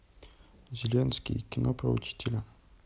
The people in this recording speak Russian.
зеленский кино про учителя